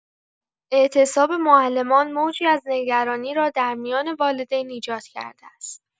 اعتصاب معلمان موجی از نگرانی را در میان والدین ایجاد کرده است.